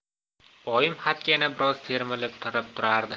oyim xatga yana biroz termilib qarab turardi